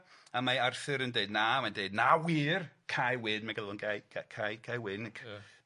A mae Arthur yn deud na, mae'n deud na wir, Cai Wyn, mae'n galw o'n Gai Ca- Cai Cai Wyn. Ia.